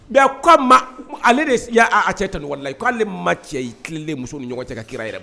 Bi a ko a ma ale' a cɛ tan la k ko'ale ale ma cɛ ye kilen muso ɲɔgɔn cɛ ka kira yɛrɛ